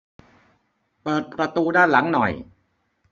เปิดประตูด้านหลังหน่อย